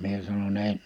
minä sanoin en